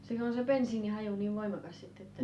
siinä on se bensiinin haju niin voimakas sitten että